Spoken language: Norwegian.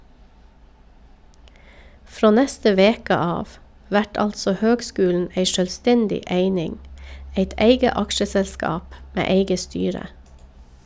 Frå neste veke av vert altså høgskulen ei sjølvstendig eining, eit eige aksjeselskap med eige styre.